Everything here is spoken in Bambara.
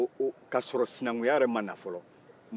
o o k'a sɔrɔ sinakunya ma na fɔlɔ